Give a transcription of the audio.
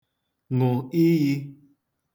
ṅụ̀ iyī